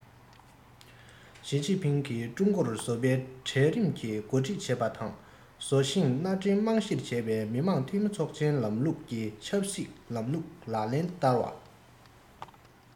ཞིས ཅིན ཕིང གིས ཀྲུང གོར བཟོ པའི གྲལ རིམ གྱིས འགོ ཁྲིད བྱེད པ དང བཟོ ཞིང མནའ འབྲེལ རྨང གཞིར བྱས པའི མི དམངས འཐུས མི ཚོགས ཆེན ལམ ལུགས ཀྱི ཆབ སྲིད ལམ ལུགས ལག ལེན བསྟར བ